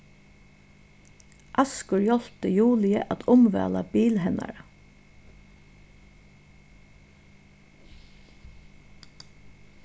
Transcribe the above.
askur hjálpti juliu at umvæla bil hennara